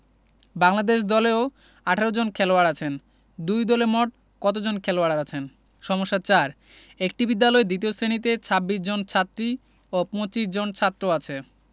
বাংলাদেশ দলেও ১৮ জন খেলোয়াড় আছেন দুই দলে মোট কতজন খেলোয়াড় আছেন সমস্যা ৪ একটি বিদ্যালয়ের দ্বিতীয় শ্রেণিতে ২৬ জন ছাত্রী ও ২৫ জন ছাত্র আছে